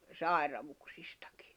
sairauksistakin